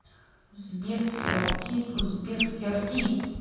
узбекский артист узбекский артист